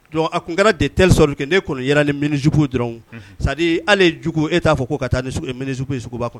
Don a tun kɛra de teli sɔrɔli kɛ ne kɔni ye ni minijugu dɔrɔnjugu e t'a fɔ ko ka taa minijugu in suguba kɔnɔ